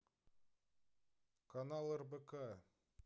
канал рбк